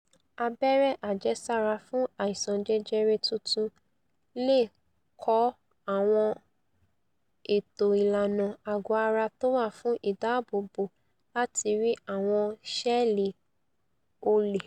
Abẹ́rẹ́ àjẹsára fún àìsàn jẹjẹrẹ tuntun leè kọ́ àwọn ètò ìlànà àgọ́-ara tówà fún ìdáààbòbò láti 'ri' àwọn ṣẹ̵́ẹ̀lì olè.